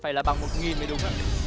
phải là bằng một nghìn mới đúng ạ